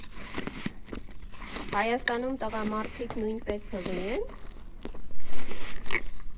«Հայաստանում տղամարդիկ նույնպես հղի՞ են»։